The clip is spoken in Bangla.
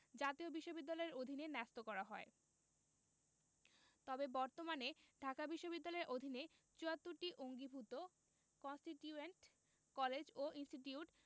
জাতীয় বিশ্ববিদ্যালয়ের অধীনে ন্যস্ত করা হয় তবে বর্তমানে ঢাকা বিশ্ববিদ্যালয়ের অধীনে ৭৪টি অঙ্গীভুত কন্সটিটিউয়েন্ট কলেজ ও ইনস্টিটিউট